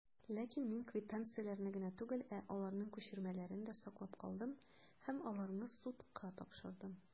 Ләкин мин квитанцияләрне генә түгел, ә аларның күчермәләрен дә саклап калдым, һәм аларны судка тапшырдым.